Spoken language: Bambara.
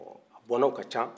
ɔɔ a bɔnaw ka can